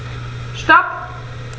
Stop.